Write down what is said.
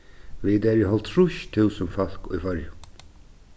vit eru hálvtrýss túsund fólk í føroyum